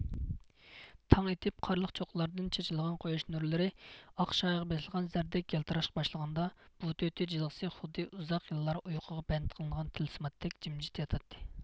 تاڭ ئېتىپ قارلىق چوققىلاردىن چېچىلغان قۇياش نۇرلىرى ئاق شايىغا بېسىلغان زەردەك يالتىراشقا باشلىغاندا بۆتۆتى جىلغىسى خۇددى ئۇزاق يىللار ئۇيقۇغا بەند قىلىنغان تىلسىماتتەك جىمجىت ياتاتتى